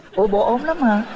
ủa bộ ốm lắm hả